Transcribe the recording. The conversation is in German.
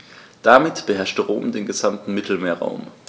Damit beherrschte Rom den gesamten Mittelmeerraum.